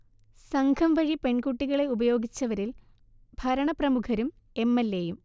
സംഘം വഴി പെൺകുട്ടികളെ ഉപയോഗിച്ചവരിൽ ഭരണപ്രമുഖരും എം എൽ എ യും